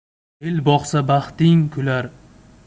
el boqsa baxting kular